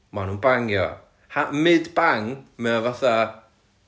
ma' nhw'n bangio ha- mid bang mae o fatha...